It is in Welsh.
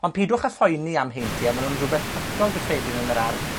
Ond pidwch â phoeni am heintie, ma' nw'n rhwbeth hollol gyffredin yn yr ardd.